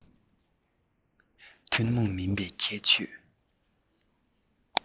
ཐུན མོང མིན པའི ཁྱད ཆོས